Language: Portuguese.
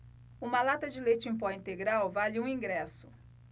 uma lata de leite em pó integral vale um ingresso